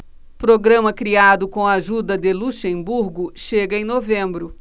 programa criado com a ajuda de luxemburgo chega em novembro